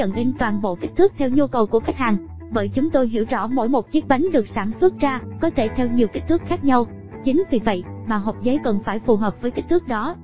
inkythuatso nhận in toàn bộ kích thước theo nhu cầu của khách hàng bởi chúng tôi hiểu rõ mỗi một chiếc bánh được sản xuất ra có thể theo nhiều kích thước khác nhau chính vì vậy mà hộp giấy cần phải phù hợp với kích thước đó